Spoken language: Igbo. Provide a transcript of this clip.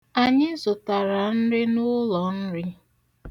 Anyị zụtara nri n'ụlọnri.